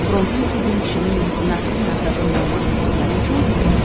frontdan kelgan kishining nasl nasabi noma'lum bo'lgani uchun